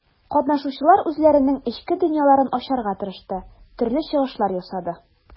Катнашучылар үзләренең эчке дөньяларын ачарга тырышты, төрле чыгышлар ясады.